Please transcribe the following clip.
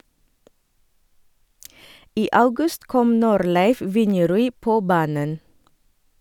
I august kom Norleiv Vinjerui på banen.